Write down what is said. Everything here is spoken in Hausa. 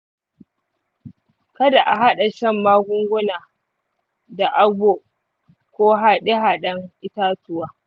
kada a haɗa shan magunguna da agbo ko haɗe haɗen itatuwa